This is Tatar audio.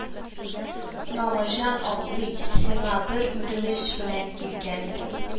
– намаҗан абзый, сиңа бер үтенеч белән килгән идем